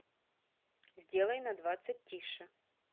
сделай на двадцать тише